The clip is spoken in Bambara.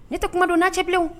Ne tɛ kumadonna ci bilen